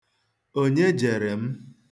Onye jere m?